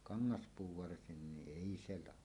kangaspuu varsinkin ei se lahoa